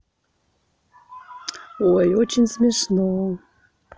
ой очень смешно